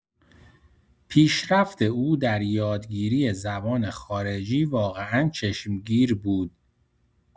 پیشرفت او در یادگیری زبان خارجی واقعا چشمگیر بود.